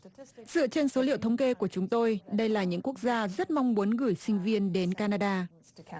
dựa trên số liệu thống kê của chúng tôi đây là những quốc gia rất mong muốn gửi sinh viên đến ca na đa